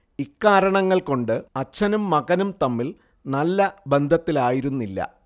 ഇക്കാരണങ്ങൾ കൊണ്ട് അച്ഛനും മകനും തമ്മിൽ നല്ല ബന്ധത്തിലായിരുന്നില്ല